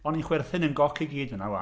O'n i'n chwerthin yn goc i gyd yna 'wan.